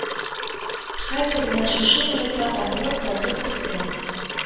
Хәзер, менә шушы минутта атылып кайтып керсә